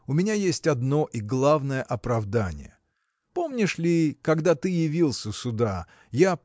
– у меня есть одно и главное оправдание помнишь ли когда ты явился сюда я